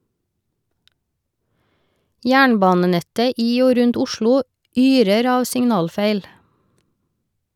Jernbanenettet i og rundt Oslo yrer av signalfeil.